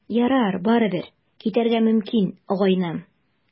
Ярар, барыбер, китәргә мөмкин, Гайнан.